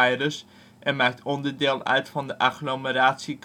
Aires en maakt onderdeel uit van de agglomeratie